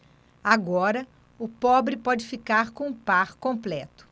agora o pobre pode ficar com o par completo